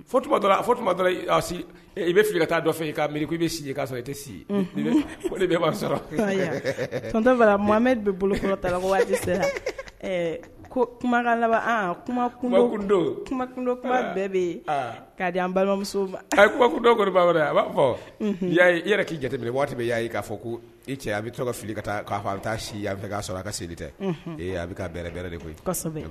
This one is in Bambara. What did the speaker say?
I bɛ fili ka taa dɔ ka mi k i bɛ i tɛ' sɔrɔfa mamamɛ bɛ bolo kɔnɔ ta la waati ko kumakan labandodo bɛɛ bɛ yen k'a di an balimamuso dɔw koba wɛrɛ a b'a fɔ i yɛrɛ k'i jate waati bɛ y yaa k'a fɔ ko i cɛ a bɛ to ka fili ka taa k'a fɔ a bɛ taa si fɛ k'a sɔrɔ a ka seli tɛ ee a bɛ ka bɛ bɛ de koyi